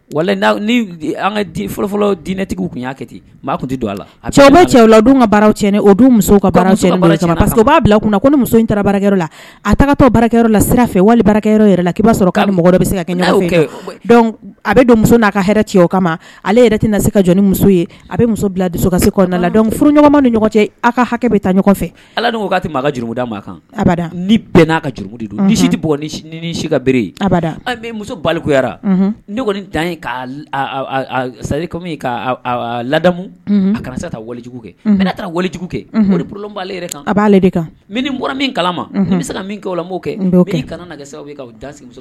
Wa an ka fɔlɔfɔlɔ diinɛtigiw tun y'a kɛ ten maa tun tɛ don la cɛ la ka baara cɛ o muso ka parceseke b'a bila kun ko muso in taara bara la a to baarayɔrɔ la sira fɛ wali bara la' b'a sɔrɔale bɛ se ka a bɛ don muso n'a ka cɛ o kama ale yɛrɛ tɛ na se kani muso ye a bɛ muso bila ka se na la dɔn furu ɲɔgɔnma ni ɲɔgɔn cɛ a ka hakɛ bɛ taa ɲɔgɔn fɛ ala maa ka juruda ma kan ada ni bɛn n'a ka jurudu don di tɛ si ka bereere aba an bɛ muso balikuyara ne kɔni dan' sari kɔmi' ladamu a kana se taawalejugu kɛ n taa walejugu kɛ kan a b'ale de kan min bɔra min kala ma bɛ se ka kɛ kɛ'